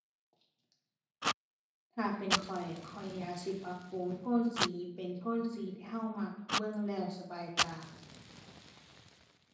ถ้าเป็นข้อย ข้อยอยากสิปรับปรุงโทนสี เป็นโทนสีที่เรามัก เบิ่งแล้วสบายตา